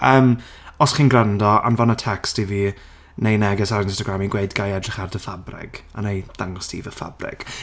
Yym, os chi'n gwrando, anfona tecst i fi, neu neges ar Instagram i gweud, "Ga i edrych ar dy ffabrig?" a wna i ddangos ti fy ffabrig.